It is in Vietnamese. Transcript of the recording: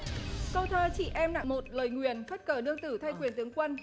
câu thơ chị em nặng một lời nguyền phất cờ nương tử thay quyền tướng quân